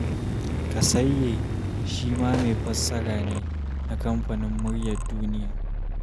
Kassaye shi ma mai fassara ne na Kamfanin Muryar Duniya.